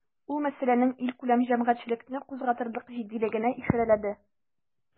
Ул мәсьәләнең илкүләм җәмәгатьчелекне кузгатырлык җитдилегенә ишарәләде.